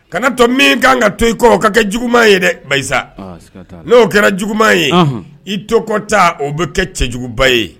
Kana tɔ min kan ka to i kɔ ka kɛ juguma ye dɛ ba n'o kɛra juguma ye i to kɔta o bɛ kɛ cɛ juguba ye